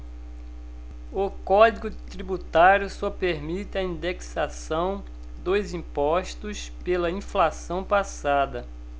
o código tributário só permite a indexação dos impostos pela inflação passada